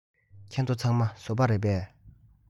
ཁྱེད ཚོ ཚང མ བཟོ པ རེད པས